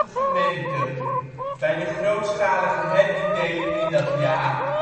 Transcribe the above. gemeente. Bij de grootschalige herindeling in dat jaar